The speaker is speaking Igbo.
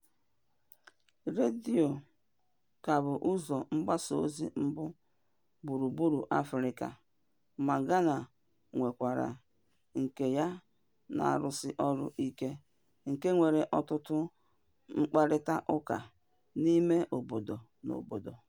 Redio ka bụ ụzọ mgbasaozi mbụ gburugburu Afrịka, ma Ghana nwekwara nke na-arụsi ọrụ ike nke nwere ọtụtụ mkparịtaụka n'imeobodo na obodo.